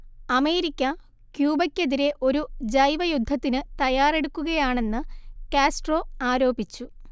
America ക്യൂബക്കെതിരേ ഒരു ജൈവയുദ്ധത്തിനു തയ്യാറെടുക്കുകയാണെന്ന് കാസ്ട്രോ ആരോപിച്ചു